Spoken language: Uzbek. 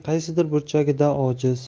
qaysidir burchagida ojiz